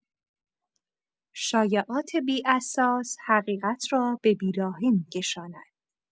شایعات بی‌اساس، حقیقت را به بیراهه می‌کشانند.